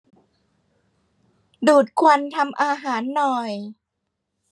ดูดควันทำอาหารหน่อย